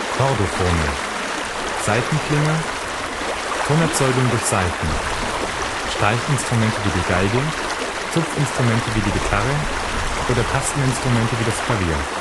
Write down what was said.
Chordophone („ Saitenklinger “– Tonerzeugung durch Saiten) Streichinstrumente wie die Geige Zupfinstrumente wie Gitarre Tasteninstrumente wie das Klavier